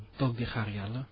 toog di xaar Yàlla